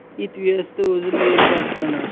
it uyasida o'zini yo'lbars sanar